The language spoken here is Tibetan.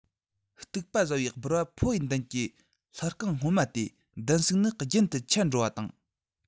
རྟུག པ ཟ བའི སྦུར པ ཕོ ཡི མདུན གྱི ལྷུ རྐང སྔོན མ སྟེ མདུན སུག ནི རྒྱུན ཏུ ཆད འགྲོ བ དང